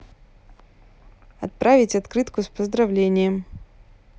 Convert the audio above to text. отправить открытку с поздравлением